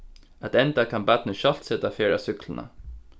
at enda kann barnið sjálvt seta ferð á súkkluna